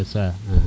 c' est ca axa